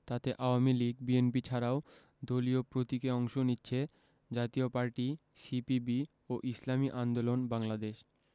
তাতে আওয়ামী লীগ বিএনপি ছাড়াও দলীয় প্রতীকে অংশ নিচ্ছে জাতীয় পার্টি সিপিবি ও ইসলামী আন্দোলন বাংলাদেশ